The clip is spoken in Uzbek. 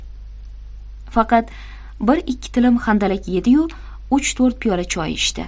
faqat bir ikki tilim handalak yediyu uch to'rt piyola choy ichdi